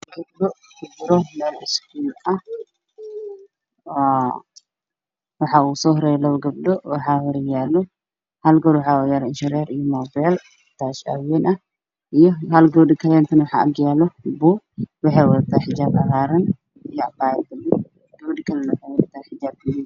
Ku jiro meel school ah gabdha uso horeeyo